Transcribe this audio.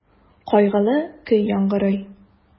Кайгылы көй яңгырый.